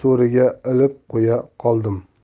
so'riga ilib qo'ya qoldim